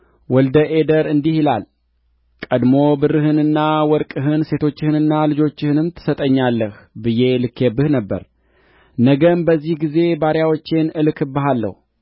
ወልደ አዴር እንዲህ ይላል ቀድሞ ብርህንና ወርቅህን ሴቶችህንና ልጆችህንም ትሰጠኛለህ ብዬ ልኬብህ ነበር ነገም በዚህ ጊዜ ባሪያዎቼን እልክብሃለሁ